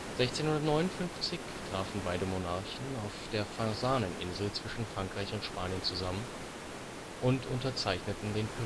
1659 trafen beide Monarchen auf der Fasaneninsel zwischen Frankreich und Spanien zusammen und unterzeichneten den Pyrenäenfrieden